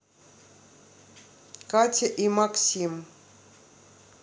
катя и максим